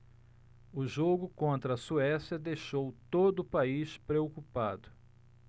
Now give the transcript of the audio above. o jogo contra a suécia deixou todo o país preocupado